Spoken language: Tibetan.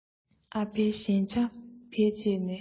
ཨ ཕའི གཞན ཆ བེད སྤྱད ནས